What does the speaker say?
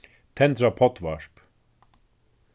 tendra poddvarp